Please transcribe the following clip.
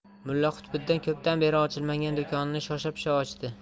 mulla qutbiddin ko'pdan beri ochilmagan do'konini shosha pisha ochdi